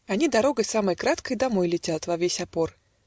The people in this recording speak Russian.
Они дорогой самой краткой Домой летят во весь опор .